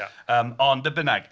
Yym ond, be bynnag.